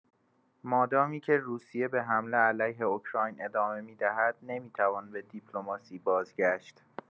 مادامی که روسیه به حمله علیه اوکراین ادامه می‌دهد نمی‌توان به دیپلماسی بازگشت.